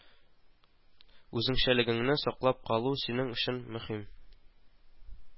Үзенчәлегеңне саклап калу синең өчен мөһим